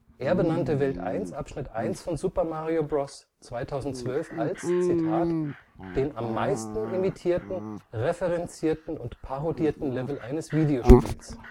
Er benannte Welt 1-1 von Super Mario Bros. 2012 als „ den am meisten imitierten, referenzierten und parodierten Level eines Videospiels